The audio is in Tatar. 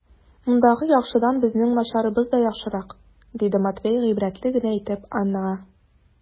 Мондагы яхшыдан безнең начарыбыз да яхшырак, - диде Матвей гыйбрәтле генә итеп Аннага.